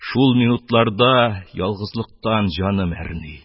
Шул минутларда ялгызлыктан җаным әрни.